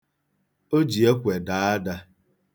O ji ekwe daa ada.